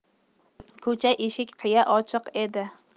ko'cha eshik qiya ochiq edi